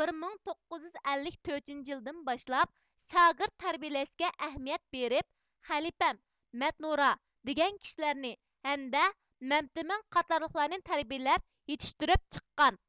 بىر مىڭ توققۇز يۈز ئەللىك تۆتىنچى يىلىدىن باشلاپ شاگىرت تەربىيىلەشكە ئەھمىيەت بېرىپ خەلپەم مەتنۇرا دېگەن كىشىلەرنى ھەمدە مەمتىمىن قاتارلىقلارنى تەربىيىلەپ يېتىشتۈرۈپ چىققان